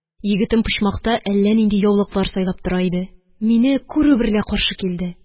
Егетем почмакта әллә нинди яулыклар сайлап тора иде. Мине күрү берлә каршы килде.